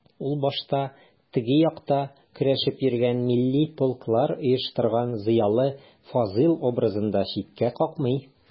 Ул башта «теге як»та көрәшеп йөргән, милли полклар оештырган зыялы Фазыйл образын да читкә какмый.